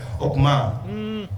O tuma